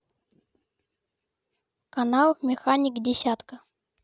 канал механик десятки